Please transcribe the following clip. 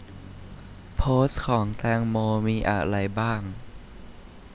โพสต์ของแตงโมมีอะไรบ้าง